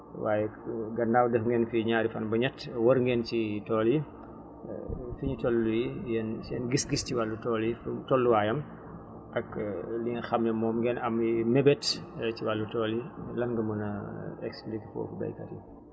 waaye gannaaw def ngeen fi ñaari fan ba ñetti wër ngeen ci tool yi fi ñu toll nii yéen seen gis-gis ci wàllu tool yi tolluwaayam ak li nga xam ne moom ngeen am mbébét ci wàllu tool yi lan nga mën a expliquer foofu baykat yi